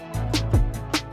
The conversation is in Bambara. San